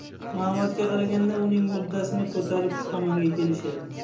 ma'lumotga qaraganda uning murdasini ko'tarib shu tomonga kelishyapti